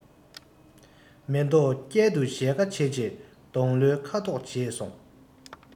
མེ ཏོག བསྐྱར དུ ཞལ ཁ ཕྱེ རྗེས སྡོང ལོའི ཁ དོག བརྗེས སོང